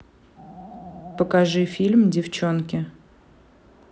покажи фильм девчонки